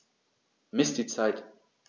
Miss die Zeit.